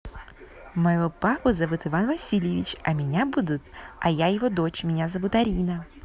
моего папу зовут иван васильевич а меня будут а я его дочь меня зовут арина